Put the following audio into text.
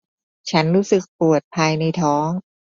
ฉันรู้สึกปวดภายในท้อง